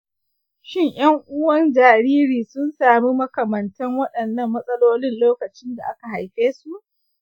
shin ’yan uwan jaririn sun sami makamantan waɗannan matsalolin lokacin da aka haife su?